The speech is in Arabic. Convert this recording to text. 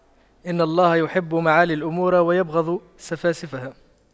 إن الله يحب معالي الأمور ويبغض سفاسفها